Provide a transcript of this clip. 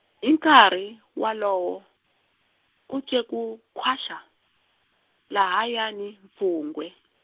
hi nkarhi, walowo, u twe ku khwaxa, lahayani mpfungwe.